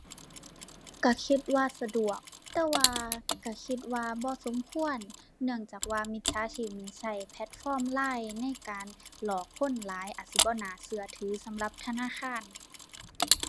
ก็คิดว่าสะดวก แต่ว่าก็คิดว่าบ่สมควร เนื่องจากว่ามิจฉาชีพนี่ใช้แพลตฟอร์ม LINE ในการหลอกคนหลาย อาจสิบ่น่าก็ถือสำหรับธนาคาร